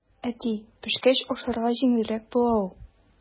Әти, пешкәч ашарга җиңелрәк була ул.